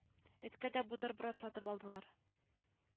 Эткә дә бутерброд сатып алдылар